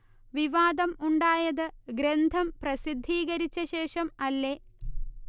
വിവാദം ഉണ്ടായത് ഗ്രന്ഥം പ്രസിദ്ധീകരിച്ച ശേഷം അല്ലേ